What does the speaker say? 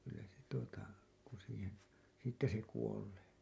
kyllä se tuota kun siihen siitä se kuolee